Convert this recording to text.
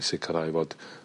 ...i sicirau fod